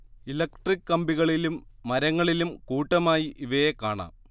electric കമ്പികളിലും മരങ്ങളിലും കൂട്ടമായി ഇവയെ കാണാം